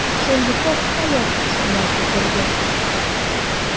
Сундуков аяк астына төкерде.